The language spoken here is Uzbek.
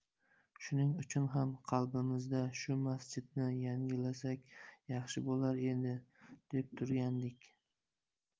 shuning uchun ham qalbimizda shu masjidni yangilasak yaxshi bo'lar edi' deb turgandik